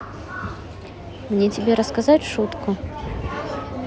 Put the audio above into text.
мне тебе рассказать шутку